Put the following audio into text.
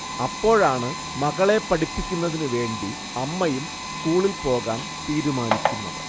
അപ്പോഴാണ് മകളെ പഠിപ്പിക്കുന്നതിനുവേണ്ടി അമ്മയും സ്ക്കൂളിൽ പോകാൻ തീരുമാനിക്കുന്നത്